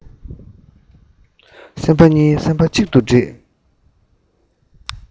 སེམས པ གཉིས སེམས པ གཅིག ཏུ འདྲེས